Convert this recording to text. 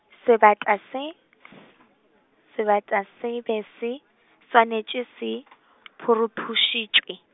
sebata se , sebata se be se, swanetše se, phuruphušitšwe.